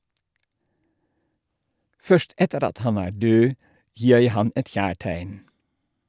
"Først etter at han er død, gir jeg han et kjærtegn."